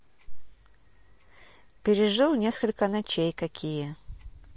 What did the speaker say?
пережил несколько ночей какие